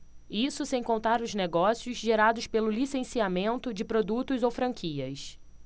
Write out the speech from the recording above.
isso sem contar os negócios gerados pelo licenciamento de produtos ou franquias